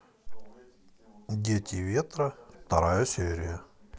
дети ветра вторая серия